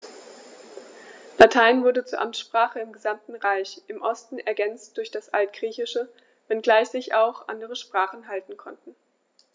Latein wurde zur Amtssprache im gesamten Reich (im Osten ergänzt durch das Altgriechische), wenngleich sich auch andere Sprachen halten konnten.